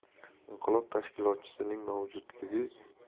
inqilob tashkilotchisining mavjudligi ya'ni partiyalar